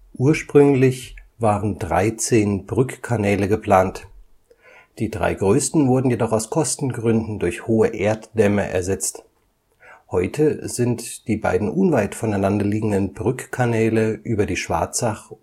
Ursprünglich waren 13 Brückkanäle geplant, die drei größten wurden jedoch aus Kostengründen durch hohe Erddämme ersetzt. Heute sind die beiden unweit voneinander liegenden Brückkanäle über die Schwarzach